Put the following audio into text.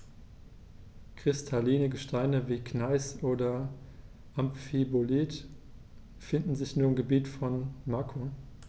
Kristalline Gesteine wie Gneis oder Amphibolit finden sich nur im Gebiet von Macun.